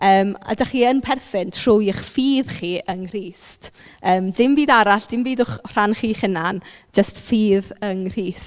Yym a dach chi yn perthyn trwy'ch ffydd chi yng Nghrist yym dim byd arall dim byd o'ch rhan chi'ch hunan jyst ffydd yng Nghrist.